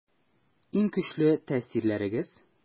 Иң көчле тәэсирләрегез?